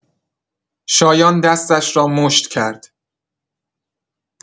شایان دستش را مشت کرد.